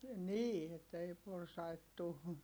niin että ei porsaita tule